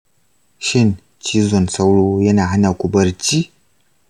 shin cizon sauro yana hana ku barci?